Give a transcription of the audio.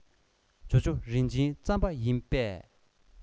ཇོ ཇོ རིན ཆེན རྩམ པ ཡིན པས